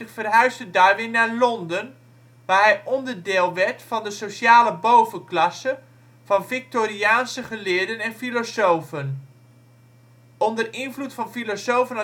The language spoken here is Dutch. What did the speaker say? verhuisde Darwin naar Londen, waar hij onderdeel werd van de sociale bovenklasse van Victoriaanse geleerden en filosofen. Onder invloed van filosofen